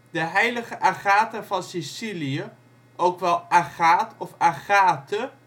De heilige Agatha van Sicilië, ook wel Agaat of Agathe